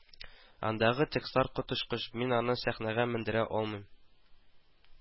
Андагы текстлар котычкыч, мин аны сәхнәгә мендерә алмыйм